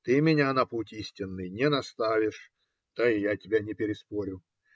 ты меня на путь истинный не наставишь, да и я тебя не переспорю.